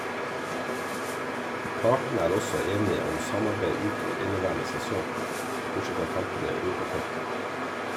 Partene er også enige om samarbeid ut over inneværende sesong, bortsett fra kampene i europacupen.